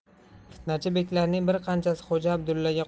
fitnachi beklarning bir qanchasi xo'ja abdullaga